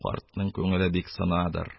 Картның күңеле бик сынадыр..